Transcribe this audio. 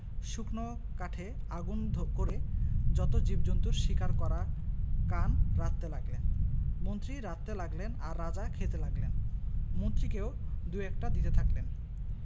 শুকনো কাঠে আগুন করে যত জীবজন্তুর শিকার করা কান রাঁধতে লাগলেন মন্ত্রী রাঁধতে লাগলেন আর রাজা খেতে লাগলেন মন্ত্রীকেও দু একটা দিতে থাকলেন